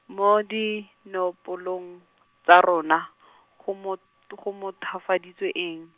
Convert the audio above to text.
mo dinopolong, tsa rona , go mo-, tu- go mothafaditswe eng?